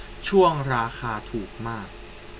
ช่วงราคาถูกมาก